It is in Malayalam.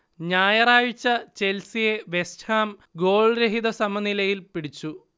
ഞായറാഴ്ച ചെൽസിയെ വെസ്റ്റ്ഹാം ഗോൾരഹിത സമനിലയിൽ പിടിച്ചു